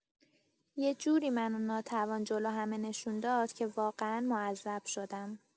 یه جوری منو ناتوان جلو همه نشون داد که واقعا معذب شدم.